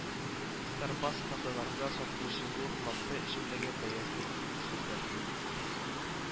Старбаск кафеларында сатылучы зур латте эчемлеге бәясе индексы үзгәртү